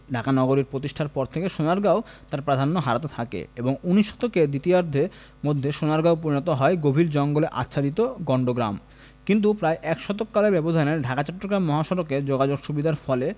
ঢাকা নগরীর প্রতিষ্ঠার পর থেকে সোনারগাঁও তার প্রাধান্য হারাতে থাকে এবং ঊনিশ শতকের দ্বিতীয়ার্ধের মধ্যে সোনারগাঁও পরিণত হয় গভীর জঙ্গলে আচ্ছাদিত গন্ড গ্রামে কিন্তু প্রায় এক শতক কালের ব্যবধানে ঢাকা চট্টগ্রাম মহাসড়কে যোগাযোগ সুবিধার ফলে